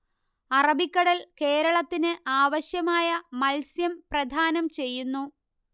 അറബിക്കടൽ കേരളത്തിന് ആവശ്യമായ മത്സ്യം പ്രദാനം ചെയ്യുന്നു